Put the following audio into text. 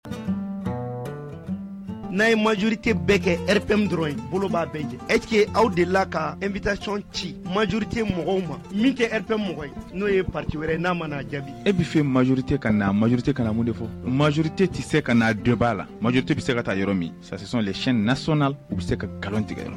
N'a ye majrite bɛɛ kɛ dɔrɔn bolo bɛɛ jɛ eti aw de la ka n bɛc ci majrite mɔgɔw ma min kɛ p mɔgɔ n'o ye pati wɛrɛ ye n'a mana jaabi e bɛ fɛ majorite ka majrite ka na mun de fɔ majorite tɛ se ka' a dɔ bbaa la maj te bɛ se ka taa yɔrɔ min sasisili s na sɔn u bɛ se ka nkalon tigɛ yɔrɔ